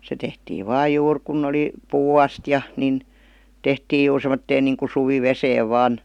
se tehtiin vain juuri kun oli puuastia niin tehtiin juuri semmoiseen niin kuin suviveteen vain